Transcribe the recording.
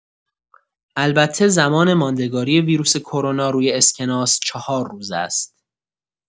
البته زمان ماندگاری ویروس کرونا روی اسکناس ۴ روز است.